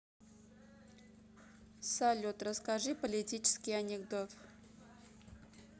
салют расскажи политический анекдот